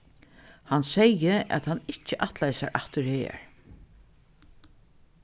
hann segði at hann ikki ætlaði sær aftur hagar